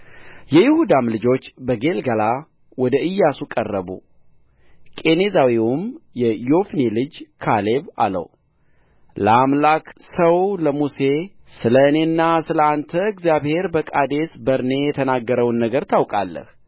የይሁዳም ልጆች በጌልገላ ወደ ኢያሱ ቀረቡ ቄኔዛዊውም የዮፎኒ ልጅ ካሌብ አለው ለአምላክህ ሰው ለሙሴ ስለ እኔና ስለ አንተ እግዚአብሔር በቃዴስ በርኔ የተናገረውን ነገር ታውቃለህ